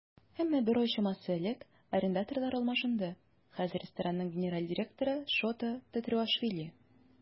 Әмма бер ай чамасы элек арендаторлар алмашынды, хәзер ресторанның генераль директоры Шота Тетруашвили.